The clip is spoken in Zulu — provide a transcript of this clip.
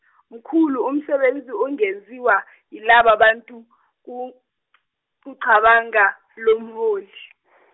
mkhulu umsebenzi ongenziwa yilaba bantu ku- kucabanga lomholi .